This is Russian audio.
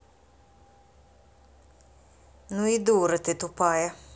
ну и дура ты тупая